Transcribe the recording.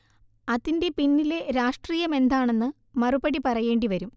അതിന്റെ പിന്നിലെ രാഷ്ട്രീയം എന്താണെന്ന് മറുപടി പറയേണ്ടി വരും